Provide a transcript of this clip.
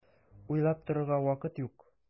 Уйлап торырга вакыт юк!